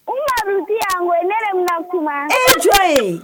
Kumalu di yan ko ne kuma e jɔn ye